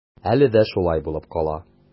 Әле дә шулай булып кала.